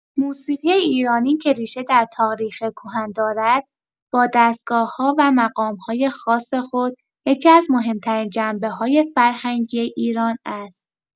موسیقی ایرانی که ریشه در تاریخ کهن دارد، با دستگاه‌ها و مقام‌های خاص خود، یکی‌از مهم‌ترین جنبه‌های فرهنگی ایران است.